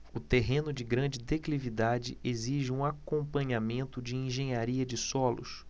o terreno de grande declividade exige um acompanhamento de engenharia de solos